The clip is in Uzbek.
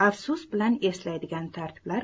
afsus bilan eslaydigan tartiblar